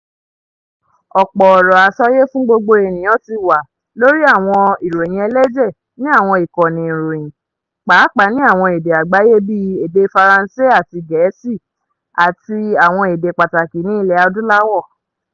Ọ̀pọ̀ ọ̀rọ̀ àsọyé fún gbogbo ènìyàn ti wà lórí àwọn ìròyìn ẹlẹ́jẹ̀ ní àwọn ìkànnì ìròyìn, pàápàá ni àwọn èdè àgbáyé bíi èdè Faransé àti Gẹ̀ẹ́sì, àti ní àwọn èdè pàtàkì ní Ilẹ̀ Adúláwò.